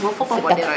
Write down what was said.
bo fopa mbodiro yo